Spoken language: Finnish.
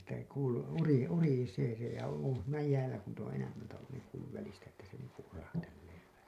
että kuului - urisee se ja on siinä jäällä kun niitä on enemmälti ollut niin kuullut välistä että se niin kuin urahtelee vähän